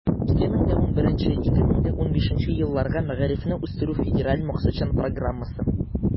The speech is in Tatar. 2011 - 2015 елларга мәгарифне үстерү федераль максатчан программасы.